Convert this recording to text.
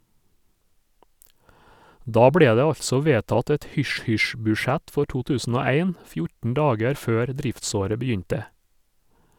Da ble det altså vedtatt et hysj-hysj-budsjett for 2001, 14 dager før driftsåret begynte.